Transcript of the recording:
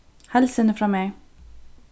heilsa henni frá mær